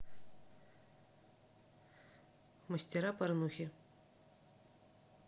мастера порнухи